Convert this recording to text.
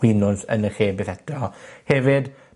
winwns yn lle byth eto. Hefyd